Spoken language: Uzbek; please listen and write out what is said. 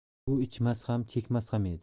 u ichmas ham chekmas ham edi